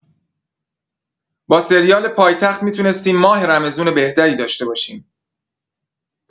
با سریال پایتخت می‌تونستیم ماه رمضون بهتری داشته باشیم!